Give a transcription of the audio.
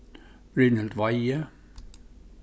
brynhild weihe